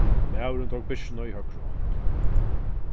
maðurin tók byrsuna í høgru hond